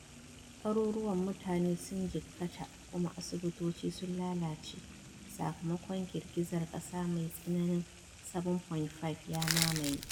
Daruruwan mutane sun jikkata kuma asibitoci, sun lalace sakamakon girgizar kasa mai tsananin 7.5, ya mamaye.